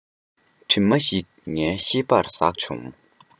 གྲིབ མ ཞིག ངའི ཤེས པར ཟགས བྱུང